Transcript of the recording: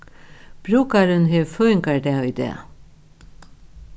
brúkarin hevur føðingardag í dag